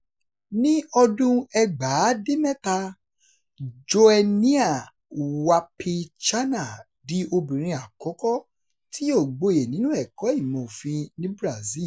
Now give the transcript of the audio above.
Ní ọdún-un 1997, Joenia Wapichana di obìnrin àkọ́kọ́ tí yóò gboyè nínú ẹ̀kọ́ ìmọ̀ òfin ní Brazil.